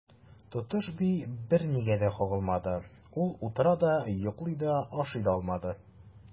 Тотыш би бернигә дә кагылмады, ул утыра да, йоклый да, ашый да алмады.